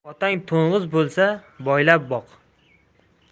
otang to'ng'iz bo'lsa boylab boq